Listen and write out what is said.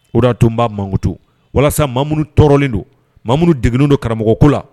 Oda tun b'a makutu walasa ma tɔɔrɔlen don mamuru degnen don karamɔgɔ ko la